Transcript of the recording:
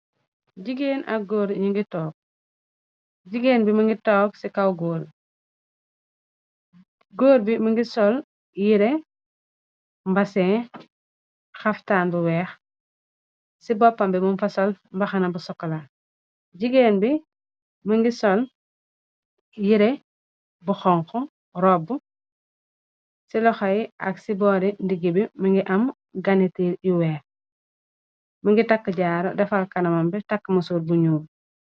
Jigeen ak goor ñu ngi toog, jigéen bi mi ngi toog si kaw goor bi, goor bi mingi sol yire mbaseen xaftaan bu weex, ci boppambi mung fa sol mbaxana bu sokola, jigéen bi më ngi sol yire bu xonxu robbu, ci loxo yi ak ci boori ndigg bi më ngi am ganitir yu weex, mi ngi takk jaaru, defar kanamam bi, takk musur bu ñuul.